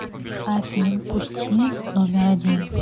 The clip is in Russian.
афин пусти номер один